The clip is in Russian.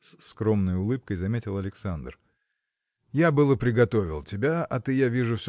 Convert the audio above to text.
– с скромной улыбкой заметил Александр. – Я было приготовил тебя а ты я вижу